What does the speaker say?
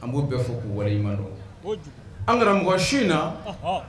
An b'o bɛɛ fɔ ko wahimadɔ an karamɔgɔ mɔgɔ su in na